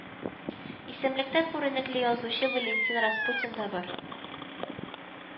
Исемлектә күренекле язучы Валентин Распутин да бар